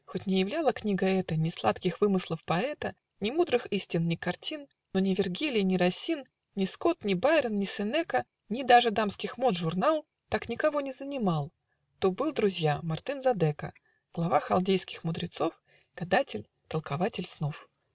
Хоть не являла книга эта Ни сладких вымыслов поэта, Ни мудрых истин, ни картин, Но ни Виргилий, ни Расин, Ни Скотт, ни Байрон, ни Сенека, Ни даже Дамских Мод Журнал Так никого не занимал: То был, друзья, Мартын Задека , Глава халдейских мудрецов, Гадатель, толкователь снов.